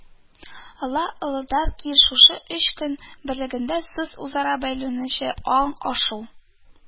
Ла ыладыр ки, шушы өч көч бергәлегендә сүз – үзара бәйләүче, аң ашу